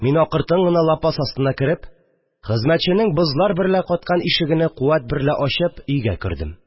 Мин, акыртын гына лапас астына кереп, хезмәтченең бозлар берлә каткан ишегене куәт берлә ачып, өйгә кердем